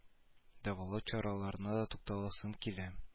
Дәвалау чараларына да тукталасым килә